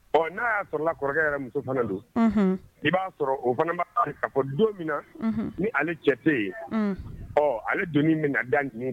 Ɔ n'a y'a sɔrɔla kɔrɔkɛ yɛrɛ muso fana don, unhun .i b'a sɔrɔ o fana b'a don min na, ɔnhɔn, ni ale cɛ tɛ yen, ɔ ale doni bɛna da ninnu kun.